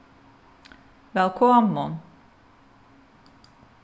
vælkomin